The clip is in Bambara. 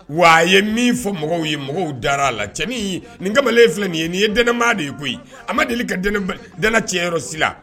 Wa a ye min fɔ mɔgɔw ye mɔgɔw dara a la cɛ min nin kamalen filɛ nin ye nin ye dɛnɛnma de ye koyi a ma deli ka cɛyɔrɔsi la